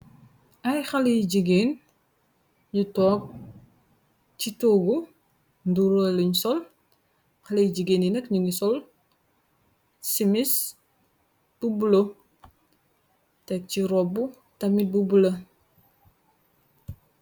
Ay xale yu jigéen, yu toog ci toogu ndura luñ sol, xale yu jigéen yi nekk ñu ngi sol simis bu bula, teg ci robbu tamit bu bula.